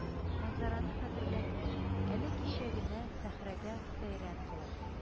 Манзараны хәтерләтте: әле кичә генә сәхрәдә сәйран кылып